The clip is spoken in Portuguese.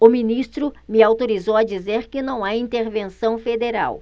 o ministro me autorizou a dizer que não há intervenção federal